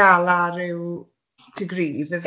galar yw to grieve yfe?